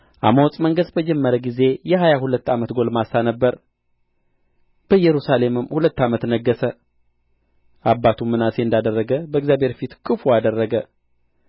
አሞጽ መንገሥ በጀመረ ጊዜ የሀያ ሁለት ዓመት ጕልማሳ ነበረ በኢየሩሳሌምም ሁለት ዓመት ነገሠ አባቱም ምናሴ እንዳደረገ በእግዚአብሔር ፊት ክፉ አደረገ